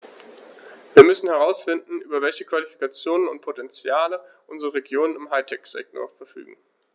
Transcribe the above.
Wir müssen herausfinden, über welche Qualifikationen und Potentiale unsere Regionen im High-Tech-Sektor verfügen.